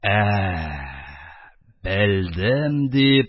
«ә... белдем» дип,